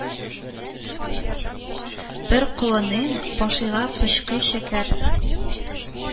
Бер колыныйң башыйга пычкый чәкәр